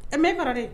A bɛ faga de